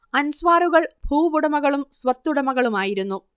അൻസ്വാറുകൾ ഭൂവുടമകളും സ്വത്തുടമകളുമായിരുന്നു